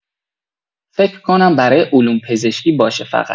فکر کنم برای علوم‌پزشکی باشه فقط